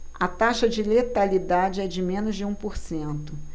a taxa de letalidade é de menos de um por cento